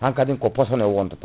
hankkadin ko possone o wonta